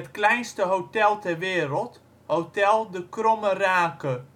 kleinste hotel ter wereld, Hotel De Kromme Raake